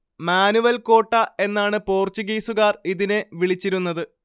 manual കോട്ട എന്നാണ് പോർച്ചുഗീസുകാർ ഇതിനെ വിളിച്ചിരുന്നത്